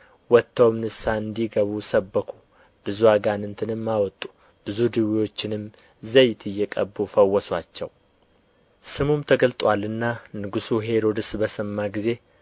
ወጥተውም ንስሐ እንዲገቡ ሰበኩ ብዙ አጋንንትንም አወጡ ብዙ ድውዮችንም ዘይት እየቀቡ ፈወሱአቸው ስሙም ተገልጦአልና ንጉሡ ሄሮድስ በሰማ ጊዜ